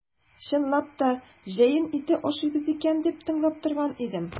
Чынлап та җәен ите ашыйбыз икән дип тыңлап торган идем.